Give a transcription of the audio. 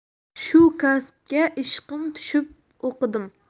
shu kasbga ishqim tushib o'qidim